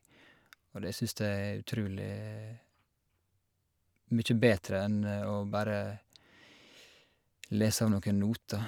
Og det syns jeg er utrulig mye bedre enn å bare lese av noen noter.